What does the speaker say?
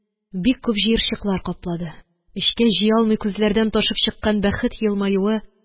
Бик күп җыерчыклар каплады. эчкә җыя алмый күзләрдән ташып чыккан бәхет елмаюы